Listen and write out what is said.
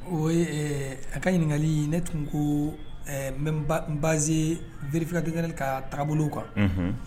O a ka ɲininkakali ne tun ko n n bazseeiriftikɛ ka taabolo kan